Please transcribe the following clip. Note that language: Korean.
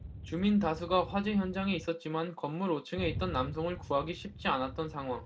주민 다수가 화재 현장에 있었지만 건물 오 층에 있던 남성을 구하기 쉽지 않았던 상황